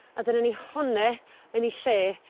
A dyna ni honne yn 'i lle